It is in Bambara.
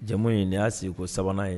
Jamu in nin de y'a sigi ko sabanan ye